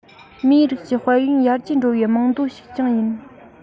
མིའི རིགས ཀྱི དཔལ ཡོན ཡར རྒྱས འགྲོ བའི རྨང རྡོ ཞིག ཀྱང ཡིན